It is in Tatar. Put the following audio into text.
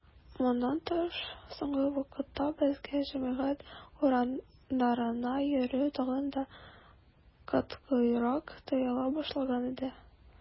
Моннан тыш, соңгы вакытта безгә җәмәгать урыннарына йөрү тагын да катгыйрак тыела башлаган иде.